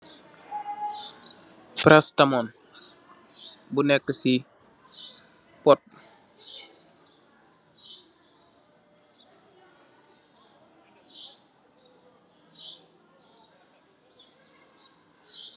Paracetamol bu neka se pot.